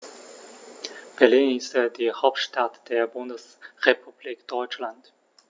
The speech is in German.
Berlin ist die Hauptstadt der Bundesrepublik Deutschland.